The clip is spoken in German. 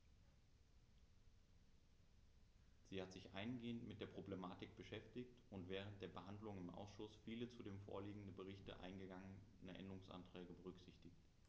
Sie hat sich eingehend mit der Problematik beschäftigt und während der Behandlung im Ausschuss viele zu dem vorliegenden Bericht eingegangene Änderungsanträge berücksichtigt.